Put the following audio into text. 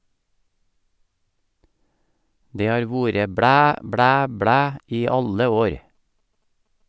Det har vore blæ, blæ, blæ i alle år.